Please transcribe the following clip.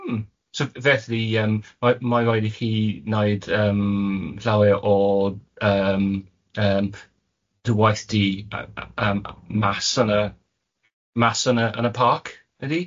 Mm so felly ymm mae'n mae'n raid i chi wneud ymm llawer o ymm ymm dy waith di yy ymm mas yn y, mas yn y yn y parc ydi?